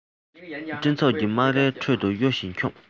སྤྲིན ཚོགས ཀྱི སྨ རའི ཁྲོད དུ གཡོ ཞིང འཁྱོམ